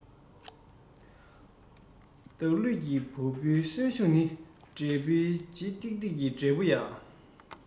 བདག ལུས ཀྱི བ སྤུའི གསོན ཤུགས ཀྱི འབྲས བུའི ལྗིད ཏིག ཏིག གི འབྲས བུ ཡ